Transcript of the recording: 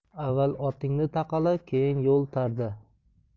avval otingni taqala keyin yo'l tarda